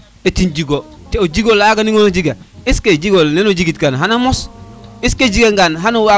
eti jigo to o jigola ga ne ona jegan est ce que o jegole ne o jegit kan xana mos est ce que jega ngaan